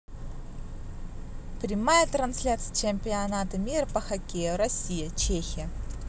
прямая трансляция чемпионата мира по хоккею россия чехия